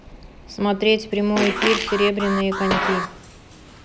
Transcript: смотреть прямой эфир серебряные коньки